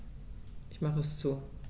Ich mache es zu.